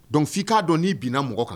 Dɔn'i k'a dɔn n'i binna mɔgɔ kan